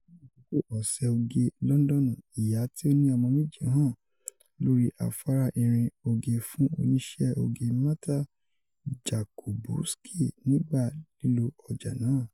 Ni akoko Ọsẹ Oge Lọndọnu, iya ti o ni ọmọ meji han lori afara irin oge fun oniṣẹ oge Marta Jakubowski nigba lilo ọja naa.